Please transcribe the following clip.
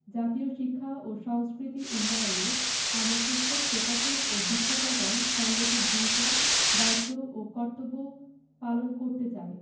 জাতীয় শিক্ষা ও সংস্কৃতি উন্নয়নে আমরা পুস্তক প্রকাশক ও বিক্রেতাগণ সঙ্গত ভূমিকা দায়িত্ব ও কর্তব্য পালন করতে চাই